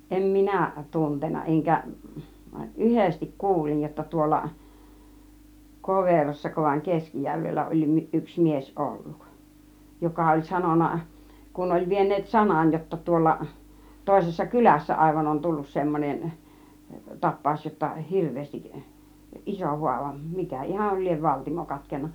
en minä tuntenut enkä yhdesti kuulin jotta tuolla Koverossako vai Keskijärvellä oli yksi mies ollut joka oli sanonut kun oli vieneet sanan jotta tuolla toisessa kylässä aivan on tullut semmoinen tapaus jotta hirveästi iso haava mikä ihan lie valtimo katkennut